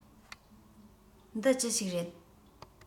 འདི ཅི ཞིག རེད